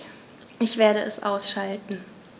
Ich werde es ausschalten